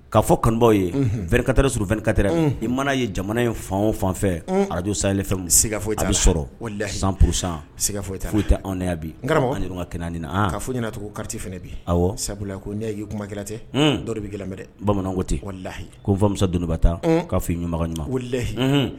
Ka fɔ kanubaw ye berekatɛre surfinkatɛ i mana ye jamana in fan fanfɛ araj sa fɛnka ta sɔrɔ p sfɔ ta foyi tɛ anwya bi ka kɛnɛ ka ɲɛnacogoti bi sabula ko n ne y'i kuma gɛlɛntɛ dɔ bɛi dɛ bamanan tɛlahi ko nfamuso dununba tan k'a f'i ɲuman ɲumanlhi